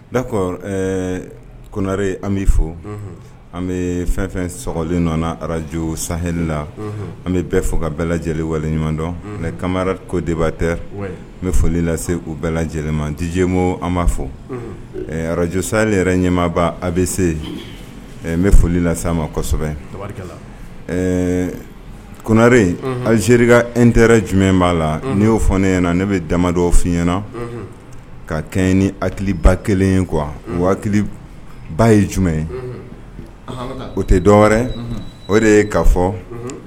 Da kɔ kore an bɛ fɔ an bɛ fɛn fɛn slen nɔn arajo san hla an bɛ bɛ fo ka bɛɛ lajɛlen waleɲumandɔn kama ko deba tɛ n bɛ foli lase u bɛɛ lajɛlen ma dijɛbo an' fɔ ɛɛ arajo sa yɛrɛ ɲɛmaaba a bɛ se n ne bɛ foli lase sa ma kosɛbɛ ɛɛ kore in anze n tɛ jumɛn b'a la n'i'o fɔ ne ɲɛna na ne bɛ damadɔ f ɲɛnaɲɛna ka kɛ ni haba kelen kuwa wa ba ye jumɛn ye o tɛ dɔnɛrɛ o de ye ka fɔ